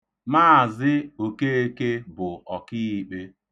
Mz. Okeeke bụ ọkiikpe.